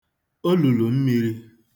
olùlù mmīrī